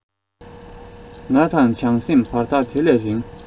ང དང བྱང སེམས བར ཐག དེ ལས རིང